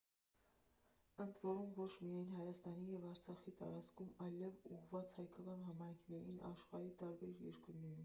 Ընդ որում, ոչ միայն Հայաստանի և Արցախի տարածքում, այլև՝ ուղղված հայկական համայնքներին աշխարհի տարբեր երկրներում։